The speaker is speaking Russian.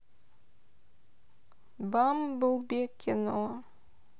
бамблби кино